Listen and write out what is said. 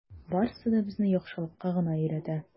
Барысы да безне яхшылыкка гына өйрәтә.